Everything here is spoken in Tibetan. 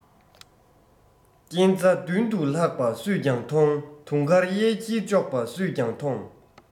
རྐྱེན རྩ མདུན དུ ལྷག པ སུས ཀྱང མཐོང དུང དཀར གཡས འཁྱིལ གཅོག པ སུས ཀྱང མཐོང